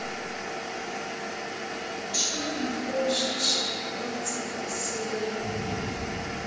черная кошка шестнадцатая серия